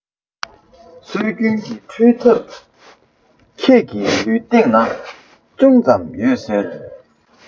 སྲོལ རྒྱུན གྱི འཕྲུལ ཐབས ཁྱེད ཀྱི ལུས སྟེང ན ཅུང ཙམ ཡོད ཟེར